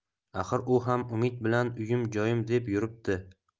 axir u ham umid bilan uyim joyim deb yuribdi